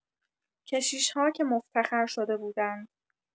کشیش‌ها که مفتخر شده بودند.